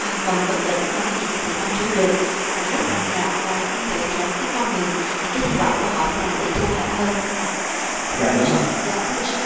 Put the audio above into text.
hoàn toàn bất định không có gì có thể nói trước được dạ và như vậy thì rồi cái con đường những cái hi vọng của họ thì càng bị thu hẹp hơn phải không ạ dạ đúng ạ dạ thưa luật sư khanh